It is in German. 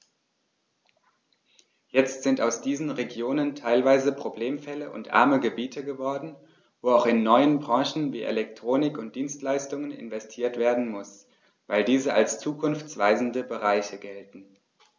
Jetzt sind aus diesen Regionen teilweise Problemfälle und arme Gebiete geworden, wo auch in neue Branchen wie Elektronik und Dienstleistungen investiert werden muss, weil diese als zukunftsweisende Bereiche gelten.